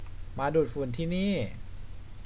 มาดูดฝุ่นที่นี่